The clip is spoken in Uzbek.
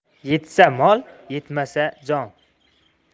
yetsa mol yetmasa jon